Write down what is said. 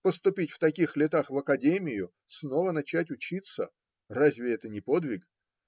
поступить в таких летах в академию, снова начать учиться - разве это не подвиг?